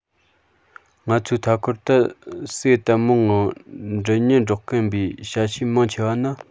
ང ཚོའི མཐའ འཁོར དུ སོས དལ མོའི ངང མགྲིན སྙན སྒྲོག གིན པའི བྱ བྱེའུ མང ཆེ བ ནི